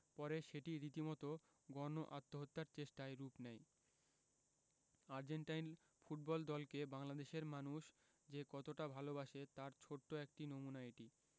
পরে সেটি রীতিমতো গণ আত্মহত্যার চেষ্টায় রূপ নেয় আর্জেন্টাইন ফুটবল দলকে বাংলাদেশের মানুষ যে কতটা ভালোবাসে তার ছোট্ট একটা নমুনা এটি